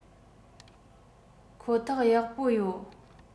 ཁོ ཐག ཡག པོ ཡོད